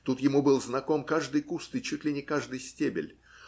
Тут ему был знаком каждый куст и чуть ли не каждый стебель.